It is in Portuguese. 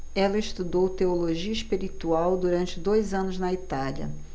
ela estudou teologia espiritual durante dois anos na itália